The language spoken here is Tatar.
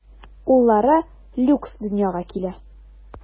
Уллары Люкс дөньяга килә.